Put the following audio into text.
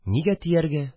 Нигә тияргә